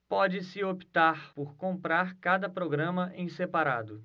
pode-se optar por comprar cada programa em separado